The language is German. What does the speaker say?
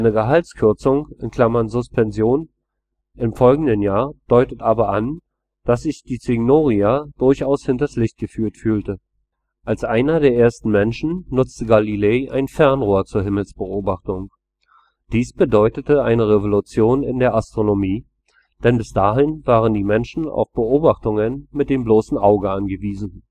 Gehaltskürzung [- suspension] im folgenden Jahr deutet aber an, dass sich die Signoria durchaus hinters Licht geführt fühlte. Als einer der ersten Menschen nutzte Galilei ein Fernrohr zur Himmelsbeobachtung. Dies bedeutete eine Revolution in der Astronomie, denn bis dahin waren die Menschen auf Beobachtungen mit dem bloßen Auge angewiesen